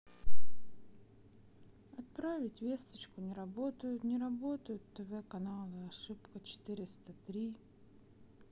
отправить весточку не работают не работают тв каналы ошибка четыреста три